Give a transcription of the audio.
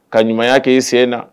Ka ɲumanya k'i sen na